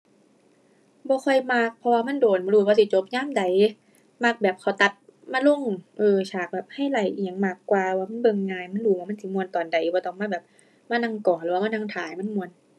บ่ค่อยมัก เพราะว่ามันโดน บ่รู้ว่าสิจบยามใด มักแบบเขาตัดมาลง เออ ฉากแบบไฮไลต์อิหยังมากกว่าว่ามันเบิ่งง่าย มันรู้ว่ามันสิม่วนตอนใด บ่ต้องมาแบบ มานั่งกรอหรือว่ามานั่งท่าให้มันม่วน